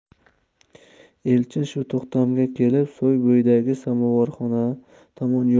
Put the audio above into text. elchin shu to'xtamga kelib soy bo'yidagi samovarxona tomon yurdi